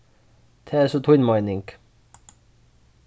tað er so tín meining